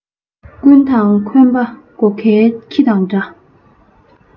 ཀུན དང འཁོན པ སྒོ ཁའི ཁྱི དང འདྲ